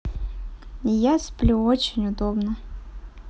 я сплю очень удобно